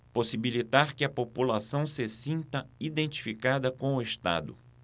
possibilitar que a população se sinta identificada com o estado